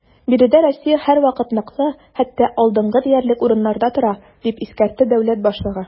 Биредә Россия һәрвакыт ныклы, хәтта алдынгы диярлек урыннарда тора, - дип искәртте дәүләт башлыгы.